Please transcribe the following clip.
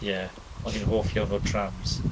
Ie, o'n i'n hoff iawn o'r trams.